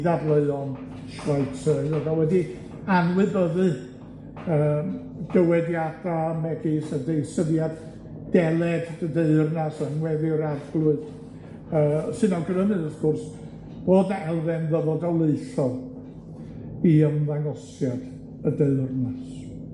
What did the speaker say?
ddadleuon Schweitzer, roedd o wedi anwybyddu yym dywediada' megis y deisyddiad, deled dy deyrnas yn weddi'r arglwydd, yy sy'n awgrymu wrth gwrs fod 'ny elfen ddyfodolaethol i ymddangosiad y deyrnas.